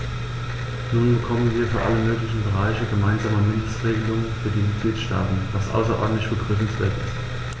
Nun bekommen wir für alle möglichen Bereiche gemeinsame Mindestregelungen für die Mitgliedstaaten, was außerordentlich begrüßenswert ist.